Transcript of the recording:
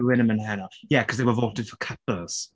Rhywun yn mynd heno. Yeah cos they were voting for couples.